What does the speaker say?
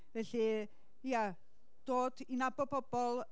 Felly, ia, dod i nabod pobol